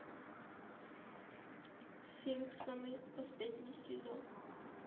симпсоны последний сезон